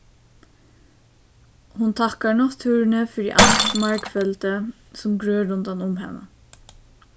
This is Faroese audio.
hon takkar náttúruni fyri alt margfeldi sum grør rundan um hana